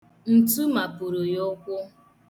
Ntu mapuru ya ụkwụ.